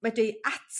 medru